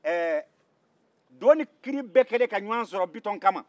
ɛɛ do ni kiri bɛɛ kɛlen ka ɲuwan sɔrɔ bitɔn ka ma